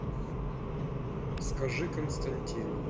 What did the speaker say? скажи константин